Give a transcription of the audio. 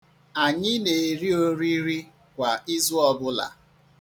Anyị na-eri oriri kwa izu ọ bụla.